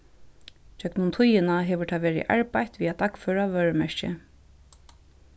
gjøgnum tíðina hevur tað verið arbeitt við at dagføra vørumerkið